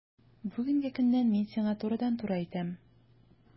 Бүгенге көннән мин сиңа турыдан-туры әйтәм: